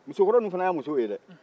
musokɔrɔ ninnu fana y'a musow ye dɛɛ